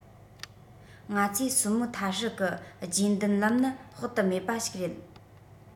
ང ཚོས སུའུ མུའུ ཐ ཧྲི གིས རྗེས མདུན ལམ ནི དཔག ཏུ མེད པ ཞིག རེད